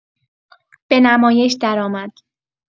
به نمایش درآمد.